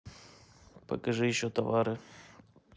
покажи еще товары